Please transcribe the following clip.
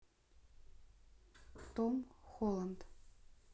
том холланд